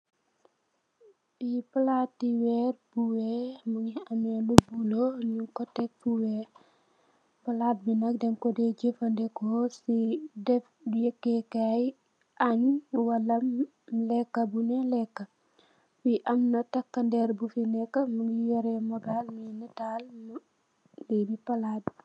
Bii plaati wehrre bu wekh mungy ameh lu bleu njung kor tek fu wekh, plaat bii nak dengh kor dae jeufandehkor cii deff yehkeh kaii angh wala lehkah bu njoi lehkah, fii amna takah nderre bufi neka mungy yohreh mobile mungy naatalu lii bii plaat bii.